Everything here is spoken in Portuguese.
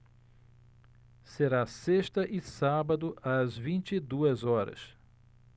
será sexta e sábado às vinte e duas horas